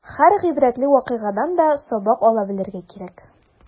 Һәр гыйбрәтле вакыйгадан да сабак ала белергә кирәк.